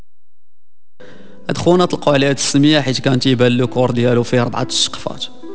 الخونه القوليه السميحي كان في اربعه السقف